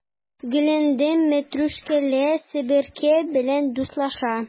Гөләндәм мәтрүшкәле себерке белән дуслаша.